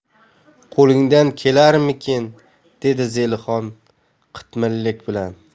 qo'lingdan kelarmikin dedi zelixon qitmirlik bilan